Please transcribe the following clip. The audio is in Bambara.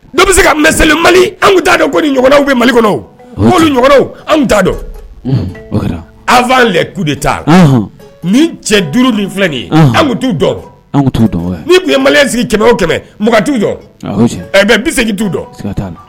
Dɔw bɛ se ka mɛs mali an taa dɔn ko ni ɲw bɛ mali kɔnɔw ko niw an t dɔn an'a lɛku de taa ni cɛ duuru ni filɛ an tu dɔn ni tun ye mali sigi kɛmɛ kɛmɛ mugan tu jɔ bɛ se t'u dɔn